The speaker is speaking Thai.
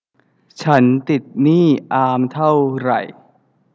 ฉันติดหนี้อามเท่าไร